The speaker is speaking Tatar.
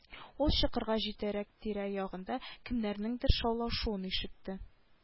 Ул чокырга җитәрәк тирә-ягында кемнәрнеңдер шаулашуын ишетте